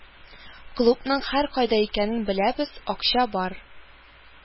“клубның һәркайда кирәк икәнен беләбез, акча бар